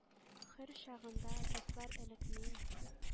Хөр чагында, дуслар, элек мин?